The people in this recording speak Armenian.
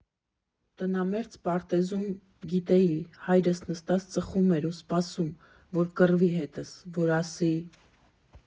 Տնամերձ պարտեզում, գիտեի, հայրս նստած ծխում էր ու սպասում, որ կռվի հետս, որ ասի.